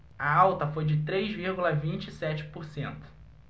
a alta foi de três vírgula vinte e sete por cento